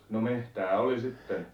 no metsää oli sitten